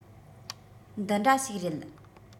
འདི འདྲ ཞིག རེད